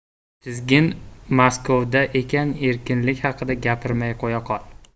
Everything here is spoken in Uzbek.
tizgin maskovda ekan erkinlik haqida gapirmay qo'yaqol